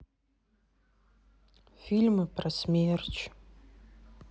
фильмы про смерч